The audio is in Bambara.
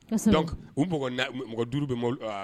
Dɔnku u mɔgɔ duuru bɛ maaw